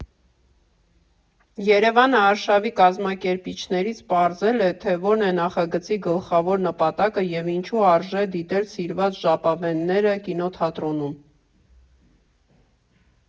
ԵՐԵՎԱՆը արշավի կազմակերպիչներից պարզել է, թե որն է նախագծի գլխավոր նպատակը և ինչու արժե դիտել սիրված ժապավենները կինոթատրոնում։